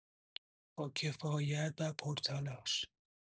با کفایت و پرتلاش